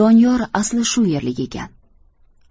doniyor asli shu yerlik ekan